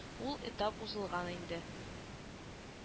Ул этап узылган инде